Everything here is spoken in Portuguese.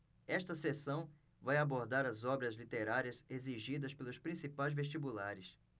esta seção vai abordar as obras literárias exigidas pelos principais vestibulares